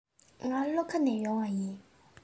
ང ལྷོ ཁ ནས ཡོང པ ཡིན